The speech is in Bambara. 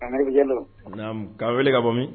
An nka ka wele ka bɔ minmi